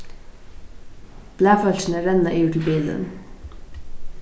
blaðfólkini renna yvir til bilin